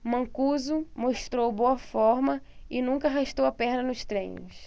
mancuso mostrou boa forma e nunca arrastou a perna nos treinos